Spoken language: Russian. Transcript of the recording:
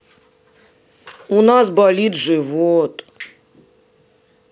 у нас болит живот